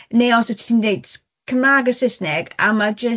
Ne' os w' ti'n dweud Cymrâg a Susneg, a ma' jyst